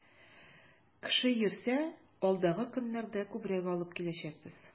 Кеше йөрсә, алдагы көннәрдә күбрәк алып киләчәкбез.